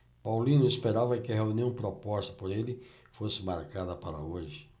paulino esperava que a reunião proposta por ele fosse marcada para hoje